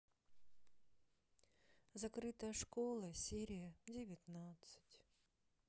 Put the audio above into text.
закрытая школа серия девятнадцать